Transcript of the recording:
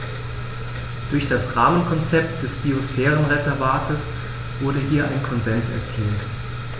Durch das Rahmenkonzept des Biosphärenreservates wurde hier ein Konsens erzielt.